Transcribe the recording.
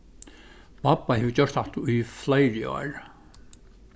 babba hevur gjørt hatta í fleiri ár